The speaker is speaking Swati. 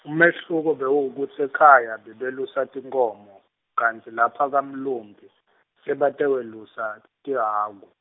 umehluko bewuwekutsi ekhaya, bebelusa tinkhomo, kantsi lapha kamlumbi, sebatawelusa, tihhaku.